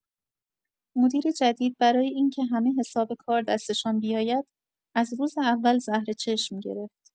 مدیر جدید برای اینکه همه حساب کار دستشان بیاید، از روز اول زهر چشم گرفت.